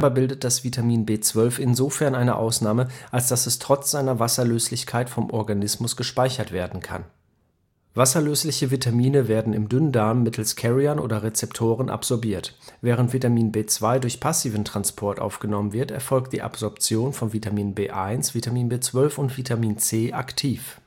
bildet das Vitamin B12 insofern eine Ausnahme, als dass es trotz seiner Wasserlöslichkeit vom Organismus gespeichert werden kann. Wasserlösliche Vitamine werden im Dünndarm mittels Carriern oder Rezeptoren absorbiert. Während Vitamin B2 durch passiven Transport aufgenommen wird, erfolgt die Absorption von Vitamin B1, Vitamin B12 und Vitamin C aktiv